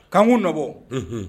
K'an ku nɔbɔ, unhun